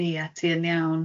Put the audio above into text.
Ia ti yn iawn.